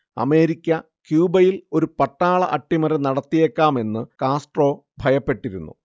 America ക്യൂബയിൽ ഒരു പട്ടാള അട്ടിമറി നടത്തിയേക്കാമെന്ന് കാസ്ട്രോ ഭയപ്പെട്ടിരുന്നു